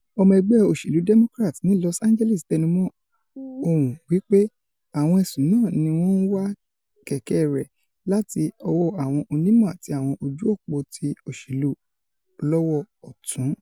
Ọmọ ẹgbẹ́ òṣèlú Democrat ní Los Angeles tẹnumọ́ ọn wí pé àwọn ẹ̀sùn náà níwọ́n ńwá kẹ̀kẹ́ rẹ̀ láti ọwọ́ àwọn onímọ̀ àti àwọn ojú-òpó ti ''òṣèlú ọlọ́wọ́-ọ̀tún''.